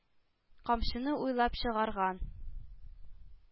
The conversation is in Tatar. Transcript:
Камчыны уйлап чыгарган.